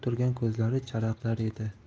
turgan ko'zlari charaqlar edi